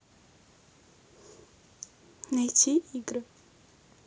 найти игры